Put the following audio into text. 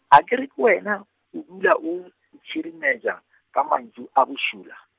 a ke re ke wena, o dula o , ntsirimetša, ka mantšu a bošula.